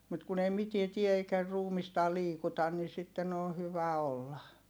mutta kun ei mitään tee eikä ruumistaan liikuta niin sitten on hyvä olla